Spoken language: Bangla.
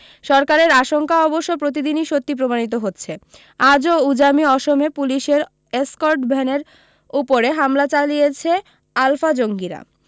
সরকারের আশঙ্কা অবশ্য প্রতিদিনি সত্যি প্রমাণিত হচ্ছে আজও উজামি অসমে পুলিশের এসকর্ট ভ্যানের উপরে হামলা চালিয়েছে আলফা জঙ্গিরা